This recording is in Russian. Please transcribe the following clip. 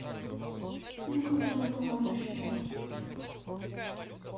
ну козлы вы вообще